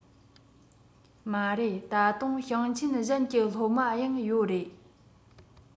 མ རེད ད དུང ཞིང ཆེན གཞན གྱི སློབ མ ཡང ཡོད རེད